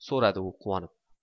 so'radi u quvonib